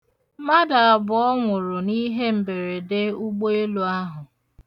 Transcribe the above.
Mmadụ abụọ nwụrụ n'ihe mberede ụgbeelu ahụ.